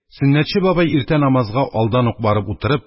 Сөннәтче бабай иртә намазга алдан ук барып утырып,